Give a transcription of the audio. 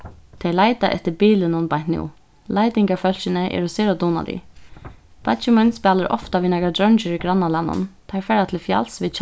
tey leita eftir bilinum beint nú leitingarfólkini eru sera dugnalig beiggi mín spælir ofta við nakrar dreingir í grannalagnum teir fara til fjals við